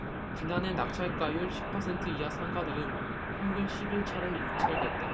지난해 낙찰가율 십 퍼센트 이하 상가들은 평균 십 일 차례 유찰됐다